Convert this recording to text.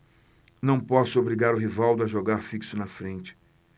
não posso obrigar o rivaldo a jogar fixo na frente